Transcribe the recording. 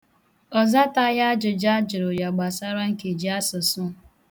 Ọ zataghị ajụjụ a jụrụ ya gbasara nkejiasụsụ.